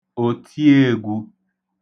òtiēgwū